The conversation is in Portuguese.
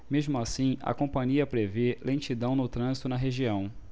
mesmo assim a companhia prevê lentidão no trânsito na região